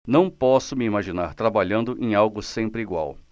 não posso me imaginar trabalhando em algo sempre igual